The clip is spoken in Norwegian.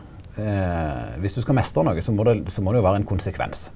viss du skal meistre noko så må det så må det jo vera ein konsekvens.